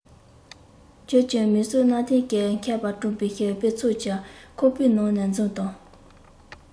ཁྱོད ཀྱི མིག ཟུང གནའ དེང གི མཁས པས བསྐྲུན པའི དཔེ ཚོགས ཀྱི ཁོག པའི ནང འཛུལ དང